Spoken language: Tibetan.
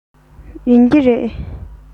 ཡིན གྱི རེད